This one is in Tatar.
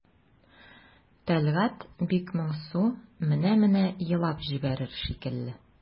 Тәлгать бик моңсу, менә-менә елап җибәрер шикелле.